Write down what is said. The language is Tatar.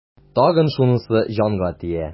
Тагын шунысы җанга тия.